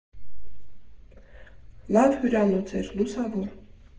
Լավ հյուրանոց էր՝ լուսավոր.